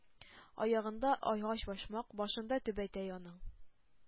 — аягында агач башмак, башында түбәтәй аның.